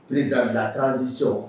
president de la transition